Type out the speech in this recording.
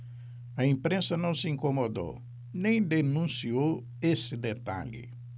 a imprensa não se incomodou nem denunciou esse detalhe